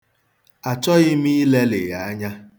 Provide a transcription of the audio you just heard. Achọghị m ilelị ya anya.